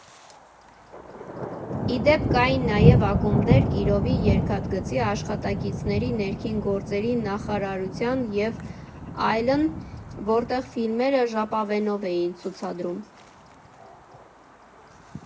Ի դեպ, կային նաև ակումբներ՝ Կիրովի, Երկաթգծի աշխատակիցների, Ներքին գործերի նախարարության և այլն, որտեղ ֆիլմերը ժապավենով էին ցուցադրում։